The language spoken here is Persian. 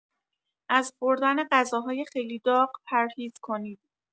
از خوردن غذاهای خیلی داغ پرهیز کنید.